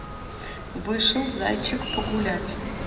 вышел зайчик погулять